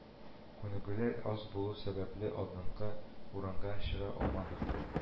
Күнегүләр аз булу сәбәпле, алдынгы урынга чыга алмадык